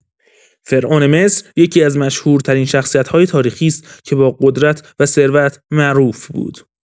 فرعون مصر یکی‌از مشهورترین شخصیت‌های تاریخی است که به قدرت و ثروت معروف بود.